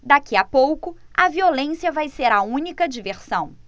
daqui a pouco a violência vai ser a única diversão